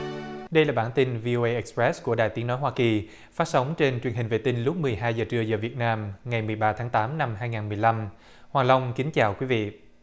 đây là bản tin vi âu ây ích pờ rét của đài tiếng nói hoa kỳ phát sóng trên truyền hình vệ tinh lúc mười hai giờ trưa giờ việt nam ngày mười ba tháng tám năm hai ngàn mười lăm hòa long kính chào quý vị